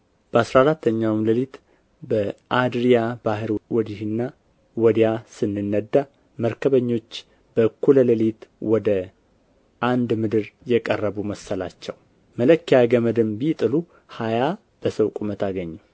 በአሥራ አራተኛውም ሌሊት በአድርያ ባሕር ወዲህና ወዲያ ስንነዳ መርከበኞች በእኩለ ሌሊት ወደ አንድ ምድር የቀረቡ መሰላቸው መለኪያ ገመድም ቢጥሉ ሀያ በሰው ቁመት አገኙ